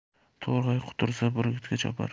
to'rg'ay qutursa burgutga chopar